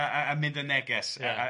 ...a a a mynd a neges... Ia